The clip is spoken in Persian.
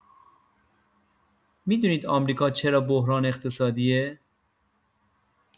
می‌دونید آمریکا چرا بحران اقتصادیه؟